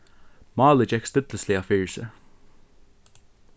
málið gekk stillisliga fyri seg